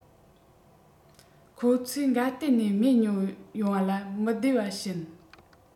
ཁོ ཚོས གཱ དྲད ནས སྨན ཉོས པ ལ མི བདེ བ བྱིན